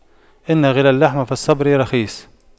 إن غلا اللحم فالصبر رخيص